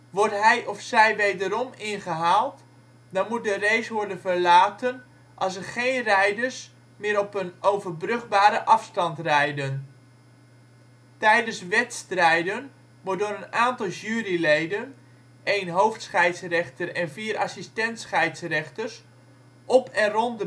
Wordt hij of zij wederom ingehaald, dan moet de race worden verlaten als er geen rijders meer op een overbrugbare afstand rijden. Tijdens wedstrijden wordt door een aantal juryleden (1 hoofdscheidsrechter en 4 assistent-scheidsrechters) op en rond